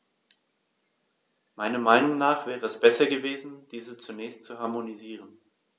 Meiner Meinung nach wäre es besser gewesen, diese zunächst zu harmonisieren.